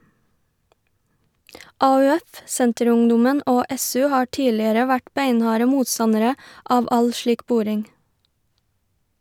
AUF, Senterungdommen og SU har tidligere vært beinharde motstandere av all slik boring.